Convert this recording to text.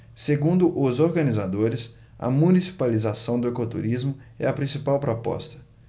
segundo os organizadores a municipalização do ecoturismo é a principal proposta